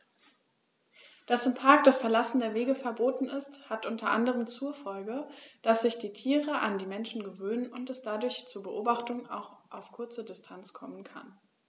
Dass im Park das Verlassen der Wege verboten ist, hat unter anderem zur Folge, dass sich die Tiere an die Menschen gewöhnen und es dadurch zu Beobachtungen auch auf kurze Distanz kommen kann.